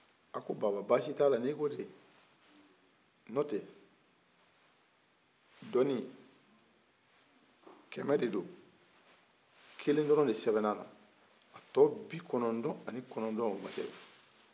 a ko baba basi t'a la ni ko ten n'o tɛ dɔni kɛmɛ de don kelen dɔrɔn de sɛbɛnan nan a tɔ bi kɔnɔntɔn ni kɔnɔntɔn o ma sɛbɛn